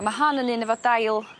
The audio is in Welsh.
a ma' hon yn un efo dail